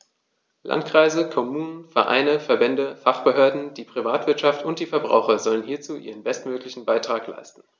Landkreise, Kommunen, Vereine, Verbände, Fachbehörden, die Privatwirtschaft und die Verbraucher sollen hierzu ihren bestmöglichen Beitrag leisten.